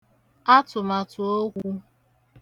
atụ̀màtụ̀okwū